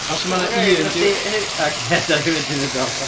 O so ma' na un dy- Oce 'dach chdi mynd i fynd off topic yma.